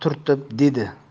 biqinimga turtib dedi